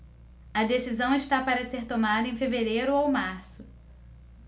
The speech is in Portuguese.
a decisão está para ser tomada em fevereiro ou março